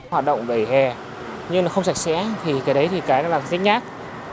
hoạt động vỉa hè nhưng nó không sạch sẽ thì cái đấy thì cái nhếch nhác